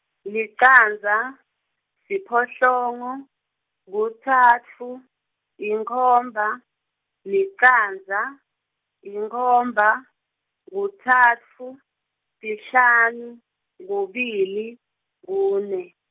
licandza, siphohlongo, kutsatfu, inkhomba, licandza, inkhomba, kutsatfu, sihlanu, kubili, kune.